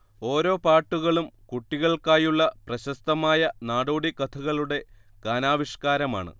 ഓരോ പാട്ടുകളും കുട്ടികൾക്കായുള്ള പ്രശസ്തമായ നാടോടിക്കഥകളുടെ ഗാനാവിഷ്കാരമാണ്